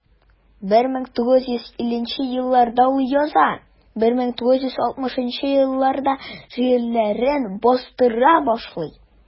1950 елларда ул яза, 1960 елларда шигырьләрен бастыра башлый.